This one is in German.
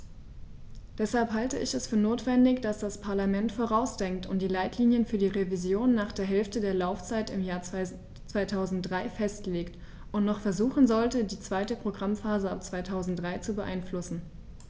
Deshalb halte ich es für notwendig, dass das Parlament vorausdenkt und die Leitlinien für die Revision nach der Hälfte der Laufzeit im Jahr 2003 festlegt und noch versuchen sollte, die zweite Programmphase ab 2003 zu beeinflussen.